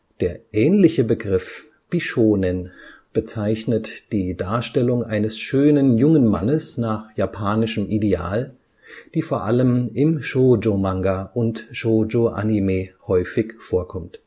Der ähnliche Begriff Bishōnen bezeichnet die Darstellung eines schönen jungen Mannes nach japanischem Ideal, die vor allem im Shōjo-Manga und - Anime häufig vorkommt